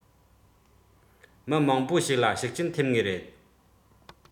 མི མང པོ ཞིག ལ ཤུགས རྐྱེན ཐེབས ངེས རེད